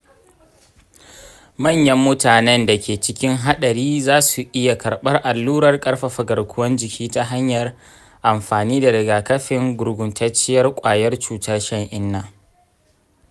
manyan mutanen da ke cikin haɗari za su iya karɓar allurar ƙarfafa garkuwar jiki ta hanyar amfani da rigakafin gurguntacciyar kwayar cutar shan-inna.